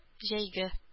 Җәйге